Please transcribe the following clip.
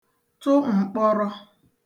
tụ m̀kpọrọ